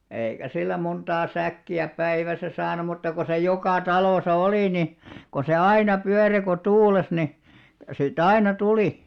eikä sillä montaa säkkiä päivässä saanut mutta kun se joka talossa oli niin kun se aina pyöri kun tuuli niin sitä aina tuli